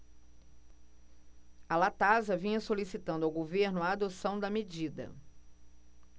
a latasa vinha solicitando ao governo a adoção da medida